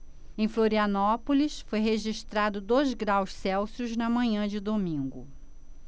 em florianópolis foi registrado dois graus celsius na manhã de domingo